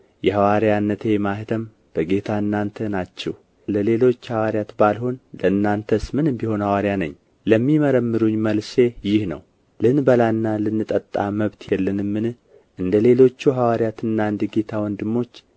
የሐዋርያነቴ ማኅተም በጌታ እናንተ ናችሁና ለሌሎች ሐዋርያ ባልሆን ለእናንተስ ምንም ቢሆን ሐዋርያ ነኝ ለሚመረምሩኝ መልሴ ይህ ነው ልንበላና ልንጠጣ መብት የለንምን እንደ ሌሎቹ ሐዋርያትና እንደ ጌታ ወንድሞች